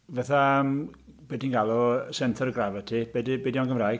Fatha yym be ti'n galw, centre of gravity be 'di... be 'di o'n Gymraeg?